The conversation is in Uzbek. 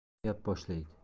gap boshlaydi